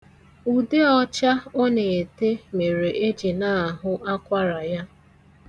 Ude ọcha ọ na-ete mere e ji na-ahụ akwara ya.